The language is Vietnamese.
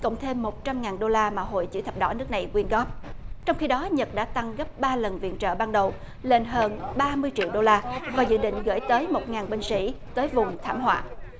cộng thêm một trăm ngàn đô la mà hội chữ thập đỏ nước này quyên góp trong khi đó nhật đã tăng gấp ba lần viện trợ ban đầu lên hơn ba mươi triệu đô la và dự định gửi tới một ngàn binh sĩ tới vùng thảm họa